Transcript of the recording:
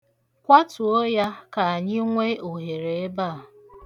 Kwatuo ya ka anyị nwe ohere ebe a.